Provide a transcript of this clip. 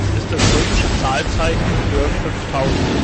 ist das römische Zahlzeichen für 5000